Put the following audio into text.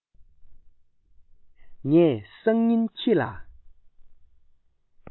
ངས སང ཉིན ཁྱེད ལ